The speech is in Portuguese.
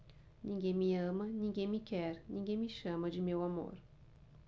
ninguém me ama ninguém me quer ninguém me chama de meu amor